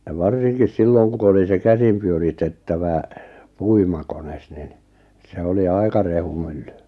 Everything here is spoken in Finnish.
ja varsinkin silloin kun oli se käsin pyöritettävä puimakone niin se oli aika rehumylly